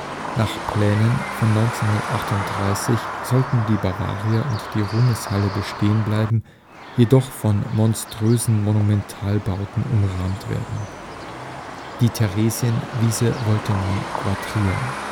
Nach Plänen von 1938 sollten die Bavaria und die Ruhmeshalle bestehen bleiben, jedoch von monströsen Monumentalbauten umrahmt werden. Die Theresienwiese wollte man quadrieren